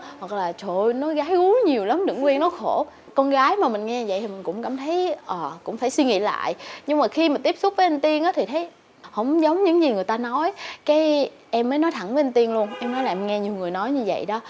là trời ơi nó gái gú nhiều lắm đừng quen nó khổ con gái mà mình nghe vậy cũng cảm thấy ờ cũng phải suy nghĩ lại nhưng mà khi tiếp xúc với anh tiên thì thấy hổng giống những gì người ta nói cái em mới nói thẳng với anh tiên luôn em nói là nghe nhiều người nói như vậy đó